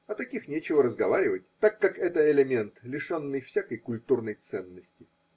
о таких нечего разговаривать, так как это элемент, лишенный всякой культурной ценности.